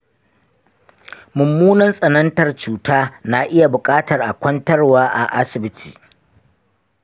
mummunan tsanantar cuta na iya buƙatar a kwantarwa a asibiti.